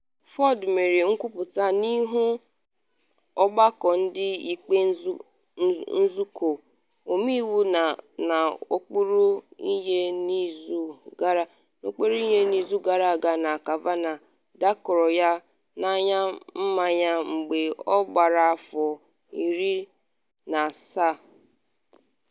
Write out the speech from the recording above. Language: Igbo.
Ford mere nkwuputa n’ihu Ọgbakọ Ndị Ikpe Nzụkọ Ọmeiwu n’okpuru iyi n’izu gara aga na Kavanaugh dakporo ya n’anya mmanya mgbe ọ gbara afọ 17.